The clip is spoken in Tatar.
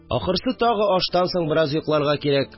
Ахрысы, тагы аштан соң бераз йокларга кирәк